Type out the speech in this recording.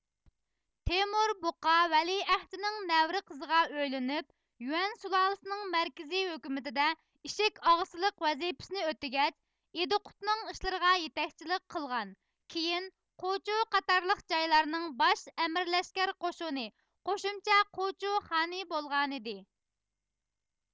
تېمۇربۇقا ۋەلىئەھدنىڭ نەۋرە قىزىگە ئۆيلىنىپ يۈەن سۇلالىسىنىڭ مەركىزىي ھۆكۈمىتىدە ئىشىكئاغىسىلىق ۋەزىپىسىنى ئۆتىگەچ ئىدىقۇتنىڭ ئىشلىرىغا يېتەكچىلىك قىلغان كېيىن قوچو قاتارلىق جايلارنىڭ باش ئەمىرلەشكەر قوشۇنى قوشۇمچە قوچو خانى بولغانىدى